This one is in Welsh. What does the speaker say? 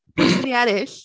Pwy sy'n mynd i ennill?